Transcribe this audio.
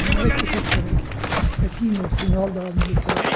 Men jeg vet ikke hvorfor, jeg jeg sier nå Signaldalen likevel.